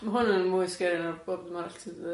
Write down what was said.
Mae hwn yn mwy scary na'r bob dim arall ti di ddeud.